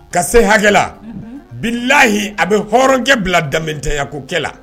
Ka se hakɛla bilayi a bɛ hɔrɔnkɛ bila datɛya ko kɛ la